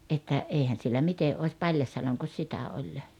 että eihän siellä miten olisi paljasjaloinko sitä oli